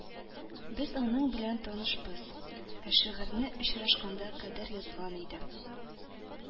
– без аның белән танышбыз, ә шигырьне очрашканга кадәр язган идем